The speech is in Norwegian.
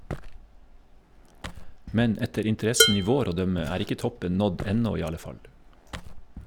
Men etter interessen i vår å dømme er ikke toppen nådd ennå i alle fall.